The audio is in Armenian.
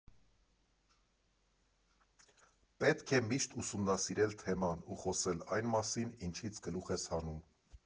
Պետք է միշտ ուսումնասիրել թեման ու խոսել այն մասին, ինչից գլուխ ես հանում։